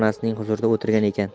onasining huzurida o'tirgan ekan